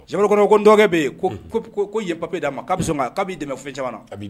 Cɛkuma kɔnɔ ko dɔgɔ bɛ yen ko papi d'a ma koa bɛ sɔn k'a'i dɛmɛfe jamana